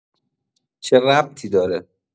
چه ربطی داره